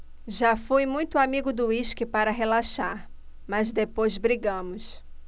já fui muito amigo do uísque para relaxar mas depois brigamos